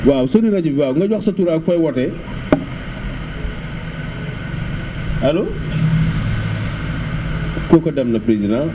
waaw soril rajo bi waaw nga joxe sa tur ak fooy wootee allo kooka dem na président